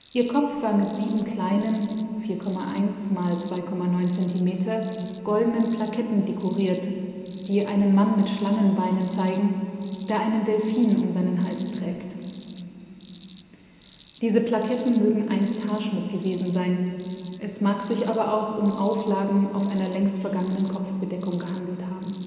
Ihr Kopf war mit sieben kleinen (4,1 x 2,9 cm), goldenen Plaketten dekoriert, die einen Mann mit Schlangenbeinen zeigen, der einen Delphin um seinen Hals hält. Diese Plaketten mögen einst Haarschmuck gewesen sein, es mag sich aber auch um Auflagen auf einer längst vergangenen Kopfbedeckung gehandelt haben